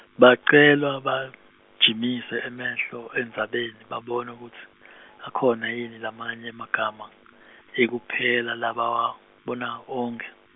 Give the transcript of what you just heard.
Bacelwa bagijimise, emehlo, endzabeni babone kutsi, akhona yini lamanye emagama, ekupela labawabona- onke-.